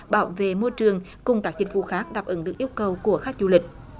bảo vệ môi trường cùng các dịch vụ khác đáp ứng được yêu cầu của khách du lịch